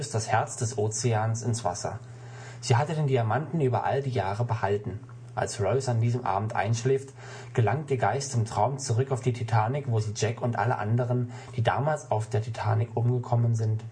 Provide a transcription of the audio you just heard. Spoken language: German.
das „ Herz des Ozeans “ins Wasser. Sie hatte den Diamanten über all die Jahre behalten. Als Rose an diesem Abend einschläft, gelangt ihr Geist im Traum zurück auf die Titanic, wo sie Jack und alle anderen, die damals auf der Titanic umgekommen sind